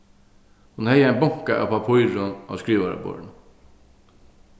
hon hevði ein bunka av pappírum á skrivaraborðinum